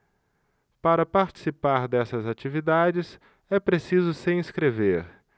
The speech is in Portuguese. para participar dessas atividades é preciso se inscrever